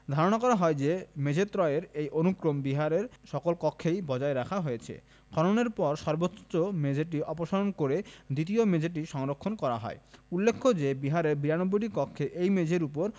ধারণা করা হয় যে মেঝেত্রয়ের এই অনুক্রম বিহারের সকল কক্ষেই বজায় রাখা হয়েছে খননের পর সর্বোচ্চ মেঝেটি অপসারণ করে দ্বিতীয় মেঝেটি সংরক্ষণ করা হয় উল্লেখ্য যে বিহারের ৯২টি কক্ষে এই মেঝের উপর